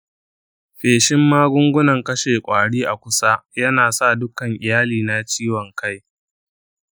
feshin magungunan kashe ƙwari a kusa yana sa dukkan iyalina ciwon kai.